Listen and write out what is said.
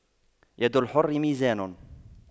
يد الحر ميزان